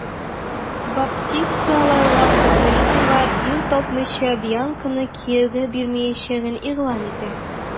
Баптиста аларга, Катаринага ир тапмыйча, Бьянканы кияүгә бирмәячәген игълан итә.